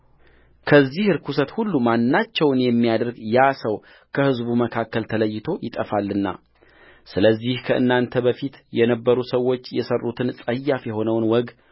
ከዚህ ርኵሰት ሁሉ ማናቸውን የሚያደርግ ያ ሰው ከሕዝቡ መካከል ተለይቶ ይጠፋልናስለዚህ ከእናንተ በፊት የነበሩ ሰዎች የሠሩትን ጸያፍ የሆነውን ወግ